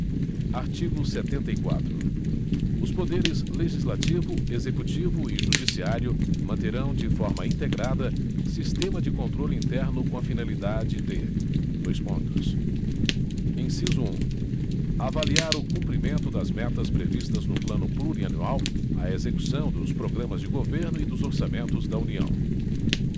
artigo setenta e quatro os poderes legislativo executivo e judiciário manterão de forma integrada sistema de controle interno com a finalidade de dois pontos inciso um avaliar o cumprimento das metas previstas no plano plurianual a execução dos programas de governo e dos orçamentos da união